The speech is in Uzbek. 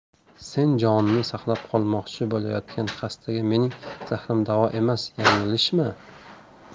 sen jonini saqlab qolmoqchi bo'layotgan xastaga mening zahrim davo emas yanglishma